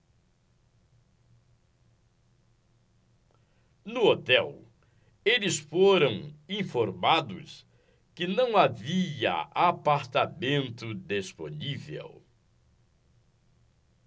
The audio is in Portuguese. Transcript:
no hotel eles foram informados que não havia apartamento disponível